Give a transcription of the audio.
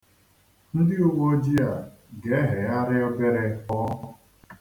Ndị uwe ojii a ga-ehegharị obere pụọ.